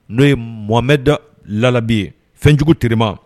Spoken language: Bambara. N'o ye mɔmɛ da labila ye fɛnjugu tema